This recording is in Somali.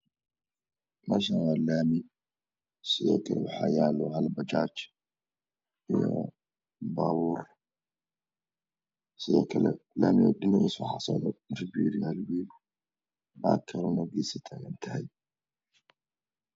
Meeshaan waa laami sidoo kale waxaa yaalo hal bajaaj iyo baabur sidoo kale laamiga dhinaciisa waxa socdo